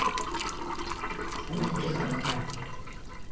она хулиганка